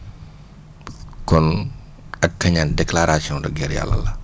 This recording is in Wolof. kon ag kañaan déclaration de guerre yàlla la